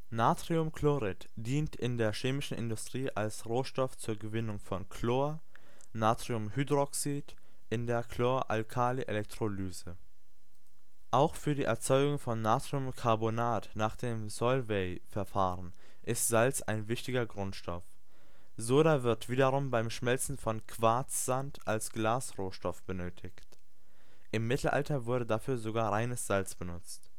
NaCl dient in der chemischen Industrie als Rohstoff zur Gewinnung von Chlor, Natriumhydroxid in der Chlor-Alkali-Elektrolyse. Auch für die Erzeugung von Natriumcarbonat nach dem Solvay-Verfahren ist Salz ein wichtiger Grundstoff. Soda wird wiederum beim Schmelzen von Quarzsand als Glasrohstoff benötigt. Im Mittelalter wurde dafür sogar reines Salz benutzt